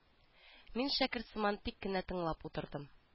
Мин шәкерт сыман тик кенә тыңлап утырдым